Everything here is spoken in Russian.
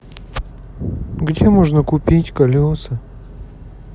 где можно купить колеса